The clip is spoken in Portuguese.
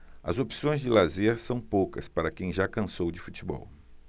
as opções de lazer são poucas para quem já cansou de futebol